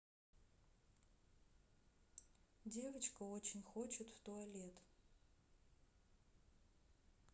девочка очень хочет в туалет